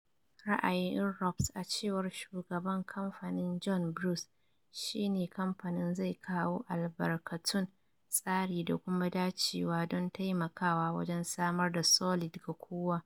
Ra’ayin Inrupt, a cewar Shugaban kamfanin John Bruce, shi ne kamfanin zai kawo albarkatun, tsari da kuma dacewa don taimakawa wajen samar da Solid ga kowa.